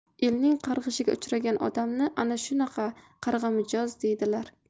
elning qarg'ishiga uchragan odamni ana shunaqa qarg'amijoz deydilar